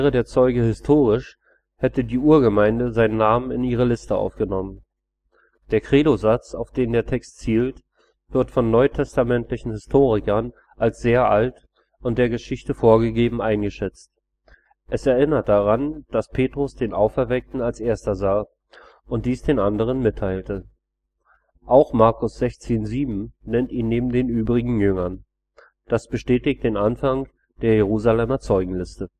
der Zeuge historisch, hätte die Urgemeinde seinen Namen in ihre Liste aufgenommen. Der Credosatz, auf den der Text zielt, wird von NT-Historikern als sehr alt und der Geschichte vorgegeben eingeschätzt. Es erinnert daran, dass Petrus den Auferweckten als Erster sah und dies dann Anderen mitteilte. Auch Mk 16,7 nennt ihn neben den übrigen Jüngern. Das bestätigt den Anfang der Jerusalemer Zeugenliste